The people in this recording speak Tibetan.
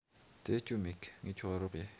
དེ སྐྱོན མེད གི ངས ཁྱོད འ རོགས ཡེད